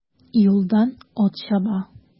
Юлдан ат чаба.